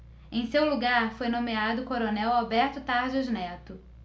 em seu lugar foi nomeado o coronel alberto tarjas neto